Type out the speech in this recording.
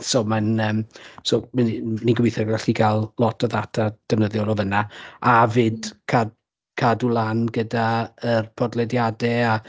so mae'n ymm... so ni'n gobeitho gallu cael lot o ddata defnyddiol o fanna a 'fyd ca- cadw lan gyda yr podlediadau a...